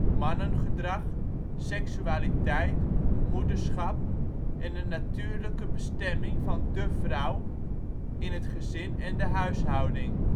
mannengedrag, seksualiteit, moederschap en de natuurlijke bestemming van " de " vrouw in het gezin en de huishouding